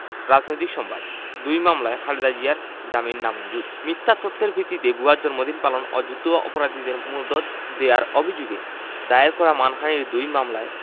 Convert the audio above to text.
রাজনৈতিক সংবাদ দুই মামলায় খালেদা জিয়ার জামিন নামঞ্জুর মিথ্যা তথ্যের ভিত্তিতে ভুয়া জন্মদিন পালন ও যুদ্ধাপরাধীদের মদদ দেওয়ার অভিযোগে দায়ের করা মানহানির দুই মামলায়